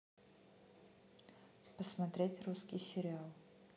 посмотреть русский сериал